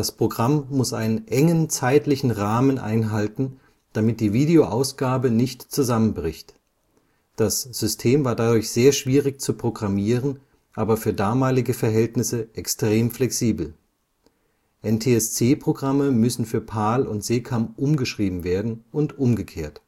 Programm muss einen engen zeitlichen Rahmen einhalten, damit die Videoausgabe nicht zusammenbricht. Das System war dadurch sehr schwierig zu programmieren, aber für damalige Verhältnisse extrem flexibel. NTSC-Programme müssen für PAL und SECAM umgeschrieben werden und umgekehrt